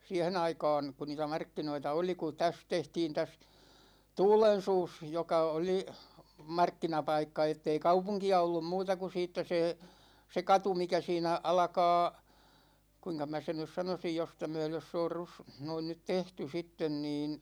siihen aikaan kun niitä markkinoita oli kun tässä tehtiin tässä Tuulensuussa joka oli markkinapaikka että ei kaupunkia ollut muuta kuin siitä se se katu mikä siinä alkaa kuinka minä sen nyt sanoisin josta myöden se on - noin nyt tehty sitten niin